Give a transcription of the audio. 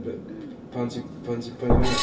Be? Pam ti pam ti'n poeni am hynna?